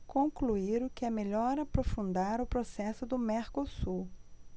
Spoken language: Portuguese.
concluíram que é melhor aprofundar o processo do mercosul